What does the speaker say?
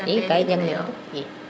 i ka i njang nelo ten i